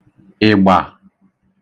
ị̀gbà